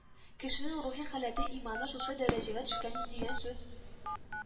Кешенең рухи халәте, иманы шушы дәрәҗәгә төшкән дигән сүз